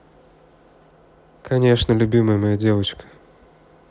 конечно любимая моя девочка